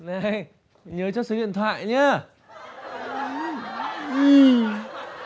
này nhớ cho số điện thoại nhớ ư